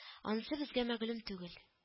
Анысы безгә мәгълүм түгел